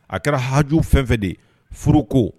A kɛra haj fɛn fɛ de furu ko